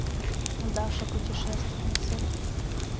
даша путешественница